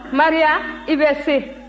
maria i bɛ se